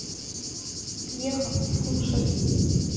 пьеха слушать